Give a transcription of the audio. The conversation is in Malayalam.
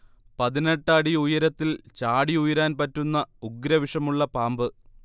പതിനെട്ട് അടിഉയരത്തിൽ ചാടി ഉയരാൻ പറ്റുന്ന ഉഗ്രവിഷമുള്ള പാമ്പ്